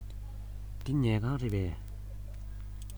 འདི ཉལ ཁང རེད པས